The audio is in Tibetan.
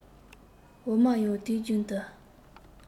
འོ མ ཡང དུས རྒྱུན དུ